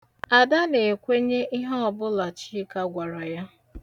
Ada na-ekwenye ihe ọbụla Chika gwara ya.